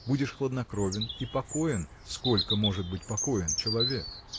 будешь хладнокровен и покоен, сколько может быть покоен человек.